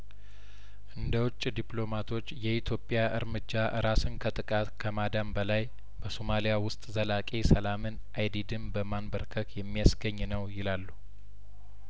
እንደ ውጭ ዲፕሎማቶች የኢትዮጵያ እርምጃ ራስን ከጥቃት ከማዳን በላይ በሶማሊያ ውስጥ ዘላቂ ሰላምን አይዲድን በማንበርከክ የሚያስገኝ ነው ይላሉ